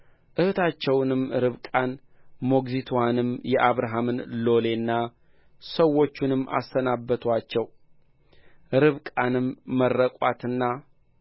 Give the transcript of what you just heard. እኅታቸውንም ርብቃን ሞግዚትዋንም የአብርሃምን ሎሌና ሰዎቹንም አሰናበቱአቸው ርብቃንም መረቁአትና